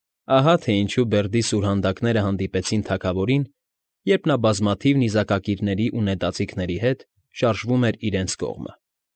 Ահա թե ինչու Բերդի սուրհանդակները հանդիպեցին թագավորին, երբ նա բազմաթիվ նիզակակիրների ու նետաձիգների հետ շարժվում էր իրենց կողմը։